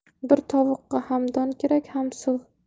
bir tovuqqa ham don kerak ham suv